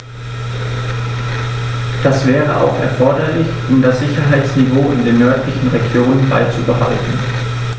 Das wäre auch erforderlich, um das Sicherheitsniveau in den nördlichen Regionen beizubehalten.